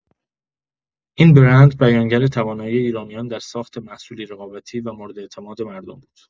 این برند بیانگر توانایی ایرانیان در ساخت محصولی رقابتی و مورد اعتماد مردم بود.